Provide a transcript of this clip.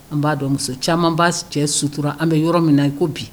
An b'a dɔn muso caman b'a cɛ sutura an bɛ yɔrɔ min na i ko bi.